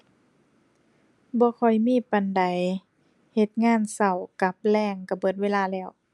บ่ค่อยมีปานใด เฮ็ดงานเช้ากลับแลงเช้าเบิดเวลาแล้ว